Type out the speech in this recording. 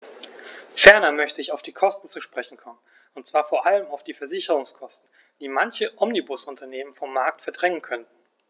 Ferner möchte ich auf die Kosten zu sprechen kommen, und zwar vor allem auf die Versicherungskosten, die manche Omnibusunternehmen vom Markt verdrängen könnten.